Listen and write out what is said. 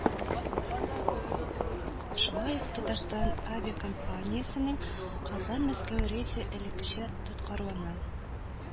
Шулай ук “Татарстан” авиакомпаниясенең Казан-Мәскәү рейсы элеккечә тоткарлана